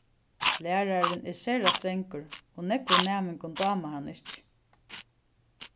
lærarin er sera strangur og nógvum næmingum dámar hann ikki